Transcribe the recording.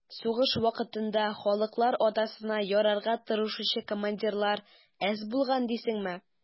Сугыш вакытында «халыклар атасына» ярарга тырышучы командирлар әз булган дисеңме?